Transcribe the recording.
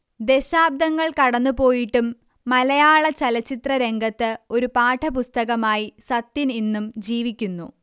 ദശാബ്ദങ്ങൾ കടന്നുപോയിട്ടും മലയാള ചലച്ചിത്ര രംഗത്ത് ഒരു പാഠപുസ്തകമായി സത്യൻ ഇന്നും ജീവിക്കുന്നു